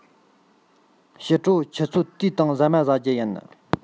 ཕྱི དྲོར ཆུ ཚོད དུའི སྟེང ཟ མ ཟ རྒྱུ ཡིན